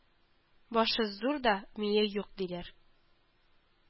Башы зур да мие юк, диләр